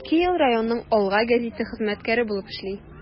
Ике ел районның “Алга” гәзите хезмәткәре булып эшли.